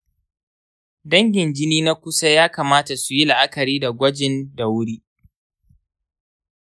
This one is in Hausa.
dangin jini na kusa ya kamata suyi la'akari da gwajin da wuri.